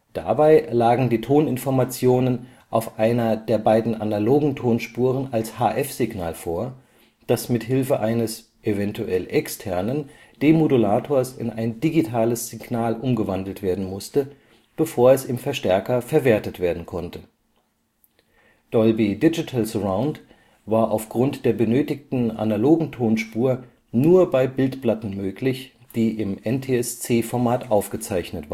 Dabei lagen die Toninformationen auf einer der beiden analogen Tonspuren als HF-Signal vor, das mithilfe eines (evtl. externen) Demodulators in ein digitales Signal umgewandelt werden musste, bevor es im Verstärker verwertet werden konnte. „ Dolby Digital Surround “war aufgrund der benötigten analogen Tonspur nur bei Bildplatten möglich, die im NTSC-Format aufgezeichnet